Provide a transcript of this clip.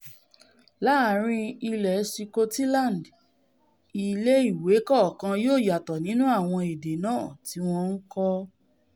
Láàrin ilẹ̀ Sikọtiland, ilé ìwé kọ̀ọ̀kan yóò yàtọ̀ nínú àwọn èdè náà tíwọn ńkọ́.